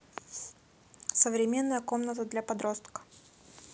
современная комната для подростка